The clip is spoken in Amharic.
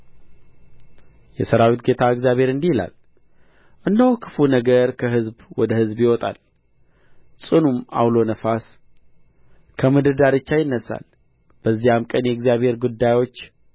የሠራዊት ጌታ እግዚአብሔር እንዲህ ይላል እነሆ ክፉ ነገር ከሕዝብ ወደ ሕዝብ ይወጣል ጽኑም ዐውሎ ነፍስ ከምድር ዳርቻ ይነሣል በዚያም ቀን የእግዚአብሔር ግዳዩች